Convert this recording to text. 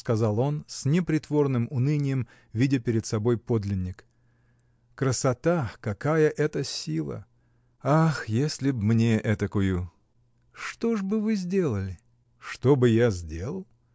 — сказал он с непритворным унынием, видя перед собой подлинник. — Красота, какая это сила! Ах, если б мне этакую! — Что ж бы вы сделали? — Что бы я сделал?